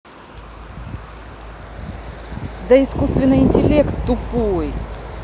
да искусственный интеллект тупой